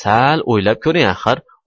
sal o'ylab ko'ring axir